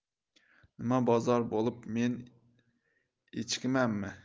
nima bozor bo'lib men echkimanmi